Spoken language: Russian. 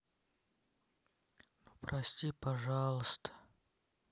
ну прости пожалуйста